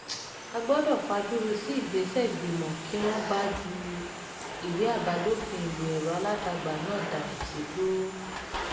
A gbọdọ̀ fajú ro sí ìgbésẹ̀ Ìgbìmọ̀ kí wọ́n ba ju ìwé àbádòfin ìlò ẹ̀rọ alátagbà náà dànù sígbó.